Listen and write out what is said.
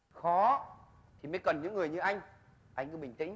khó thì mới cần những người như anh anh cứ bình tĩnh